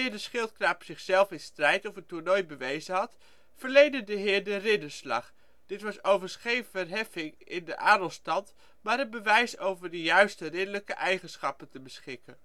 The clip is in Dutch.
de schildknaap zichzelf in de strijd of op een toernooi bewezen had, verleende de heer de ridderslag. Dit was overigens geen verheffing in de adelstand maar het bewijs over de juiste (ridderlijke) eigenschappen te beschikken